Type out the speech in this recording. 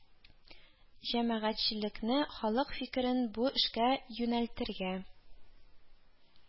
Җәмәгатьчелекне, халык фикерен бу эшкә юнәлтергә